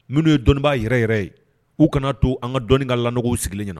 Minnu ye dɔnniibaa yɛrɛ yɛrɛ ye u kana to an ka dɔni ka lalanw sigilen ɲɛna